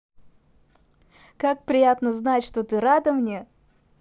как приятно знать что ты рада мне